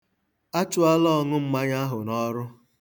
A chụọla ọṅụmmanya ahụ n'ọrụ.